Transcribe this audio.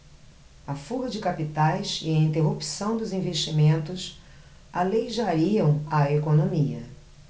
a fuga de capitais e a interrupção dos investimentos aleijariam a economia